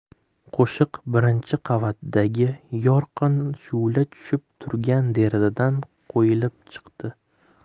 qo'shiq birinchi qavatdagi yorqin ashu'la tushib turgan derazadan qo'yilib chiqdi